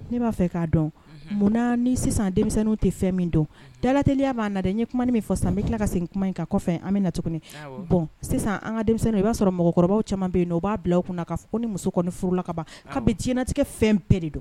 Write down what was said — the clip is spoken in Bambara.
N'i b'a fɛ k'a dɔn munna ni sisan denmisɛnninw tɛ fɛn min dɔn dalaeliya b'a la dɛ ye kuma min fɔ san n' tila ka segin kuma in kan kɔfɛ an bɛ na tuguni bɔn sisan an ka denmisɛnnin i b'a sɔrɔ mɔgɔkɔrɔbaw caman bɛ yen u b'a bila u kun ni muso kɔni furula ka ban ka bɛ jinatigɛ fɛn bɛɛ de don